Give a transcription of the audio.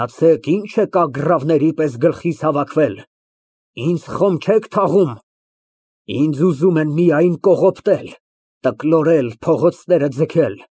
Գնացեք, ի՞նչ եք ագռավների պես գլխիս հավաքվել, ինձ խոմ չեք թաղում, ինձ ուզում են միայն կողոպտել, տկլորել, փողոցները ձգել։